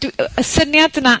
...dw- yy, y syniad yna